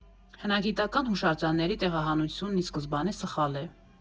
Հնագիտական հուշարձանների տեղահանությունն ի սկզբանե սխալ է.